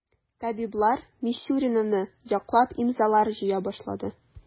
Табиблар Мисюринаны яклап имзалар җыя башлады.